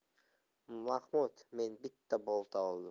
mahmud men bitta bolta oldim